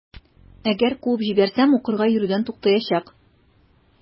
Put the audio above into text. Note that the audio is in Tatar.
Әгәр куып җибәрсәм, укырга йөрүдән туктаячак.